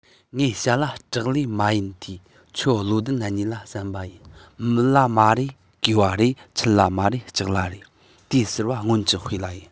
ངེད བྱ ལ སྐྲག ལེ མ ཡིན ཏེ ཁྱོད བློ ལྡན གཉིས ལ བསམས པ ཡིན མི ལ མ རེ གོས ལ རེ ཁྱི ལ མ རེ ལྕགས ལ རེ དེ ཟེར བ སྔོན གྱི དཔེ ལ ཡོད